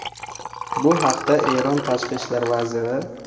bu haqda eron tashqi ishlar vaziri javod